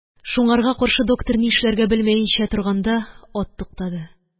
Шуңарга каршы доктор ни эшләргә белмәенчә торганда, ат туктады.